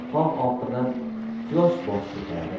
tog' ortidan quyosh bosh ko'taradi